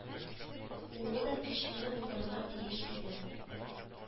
Улы да көчле булырга тиеш иде